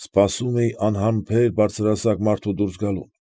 Սպասում էի անհամբեր բարձրահասակ մարդու դուրս գալուն։